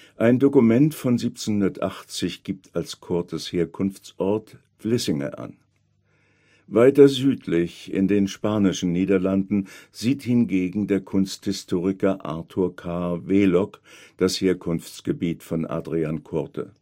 Ein Dokument von 1780 gibt als Coortes Herkunftsort Vlissingen an. Weiter südlich, in den Spanischen Niederlanden, sieht hingegen der Kunsthistoriker Arthur K. Wheelock das Herkunftsgebiet von Adriaen Coorte